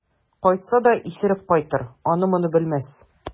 Кайтса да исереп кайтыр, аны-моны белмәс.